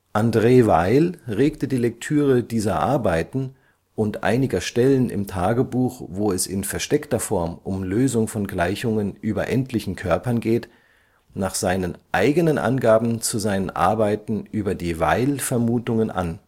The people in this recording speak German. André Weil regte die Lektüre dieser Arbeiten (und einiger Stellen im Tagebuch, wo es in versteckter Form um Lösung von Gleichungen über endlichen Körpern geht) nach seinen eigenen Angaben zu seinen Arbeiten über die Weil-Vermutungen an